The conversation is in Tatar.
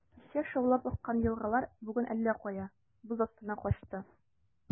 Кичә шаулап аккан елгалар бүген әллә кая, боз астына качты.